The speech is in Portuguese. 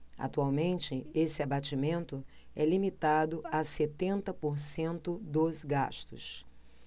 atualmente esse abatimento é limitado a setenta por cento dos gastos